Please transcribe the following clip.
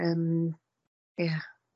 Yym. Ia.